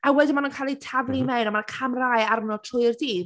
A wedyn, maen nhw’n cael eu taflu mewn a mae’r camerâu arno trwy’r dydd.